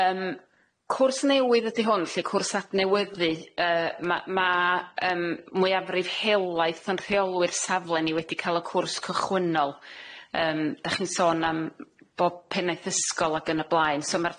yym cwrs newydd ydi hwn felly cwrs adnewyddu yy ma' ma' yym mwyafrif helaeth o'n rheolwi'r safle ni wedi ca'l y cwrs cychwynnol yym dach chi'n sôn am bob pennaeth ysgol ag yn y blaen so ma'r